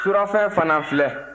surɔfɛn fana filɛ